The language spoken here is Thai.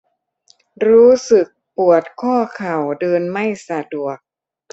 รู้สึกปวดข้อเข่าเดินไม่สะดวก